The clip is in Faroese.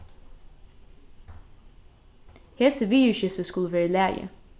hesi viðurskifti skulu vera í lagi